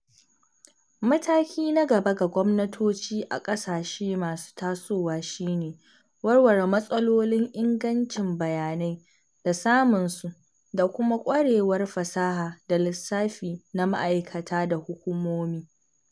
Mataki na gaba ga gwamnatoci a ƙasashe masu tasowa shine warware matsalolin ingancin bayanai da samun su, da kuma ƙwarewar fasaha da lissafi na ma’aikata da hukumomi.